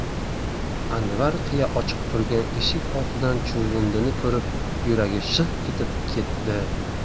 anvar qiya ochiq turgan eshik ortidan chuvrindini ko'rib yuragi shig' etib ketdi